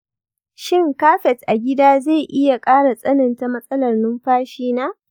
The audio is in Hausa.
shin kafet a gida zai iya ƙara tsananta matsalar numfashina